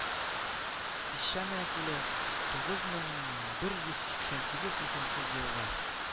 Песчаное күле - тугыз мең бер йөз сиксән сигез исемсез елга